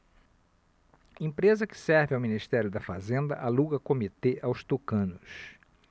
empresa que serve ao ministério da fazenda aluga comitê aos tucanos